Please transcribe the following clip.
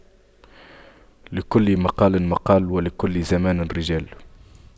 لكل مقام مقال ولكل زمان رجال